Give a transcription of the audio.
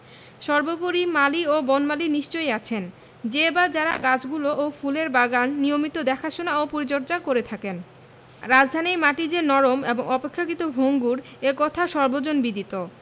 সর্বোপরি মালি ও বনমালী নিশ্চয়ই আছেন যে বা যারা গাছগুলো ও ফুলের বাগান নিয়মিত দেখাশোনা ও পরিচর্যা করে থাকেন রাজধানীর মাটি যে নরম এবং অপেক্ষাকৃত ভঙ্গুর এ কথা সর্বজনবিদিত